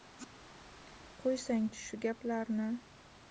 qo'ysang chi shu gaplarni